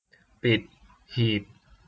ปิดหีบ